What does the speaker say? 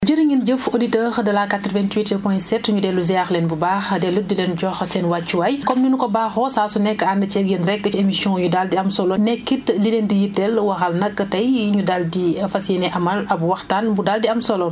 jërë ngeen jëf auditeurs de la 88 point 7 ñu dellu ziar leen bu baax dellu it di leen jox seen wàccuwaay comme ni ñu ko baaxoo saa su nekk ànd ceeg yéen rekk ci émission yu daal di am solo nekkit li leen di yitteel waral nag tay ñu daal di fas yéenee amal ab waxtaan bu daal di am solo